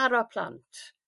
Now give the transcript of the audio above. taro plant